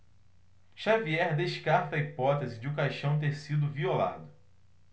xavier descarta a hipótese de o caixão ter sido violado